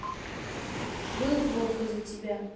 было плохо из за тебя